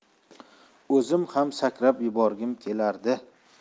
o'zim ham sakrab yuborgim kelardi